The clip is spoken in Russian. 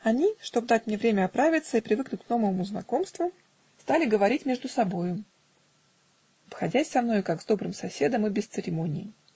Они, чтоб дать мне время оправиться и привыкнуть к новому знакомству, стали говорить между собою, обходясь со мною как с добрым соседом и без церемонии.